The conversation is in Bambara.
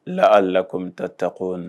La ala commita taakɔ